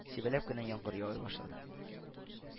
Сибәләп кенә яңгыр явый башлады